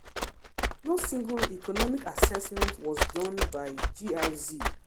No single economic assessment was done by GRZ!